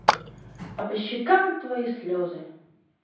а по щекам твои слезы